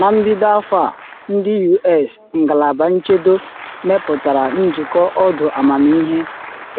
Na mbido afọ a ndị U.S. Ngalaba Nchedo, mepụtara Njikọ Ọdụ Amamịghe,